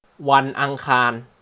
วันอังคาร